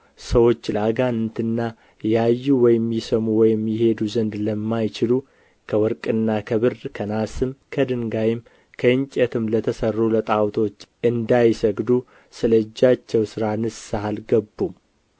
ሰዎች ለአጋንንትና ያዩ ወይም ይሰሙ ወይም ይሄዱ ዘንድ ለማይችሉ ከወርቅና ከብር ከናስም ከድንጋይም ከእንጨትም ለተሠሩ ለጣዖቶች እንዳይሰግዱ ስለ እጃቸው ሥራ ንስሐ አልገቡም